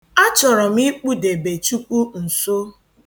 A chọrọ m ịkpụdebe Chukwu nso.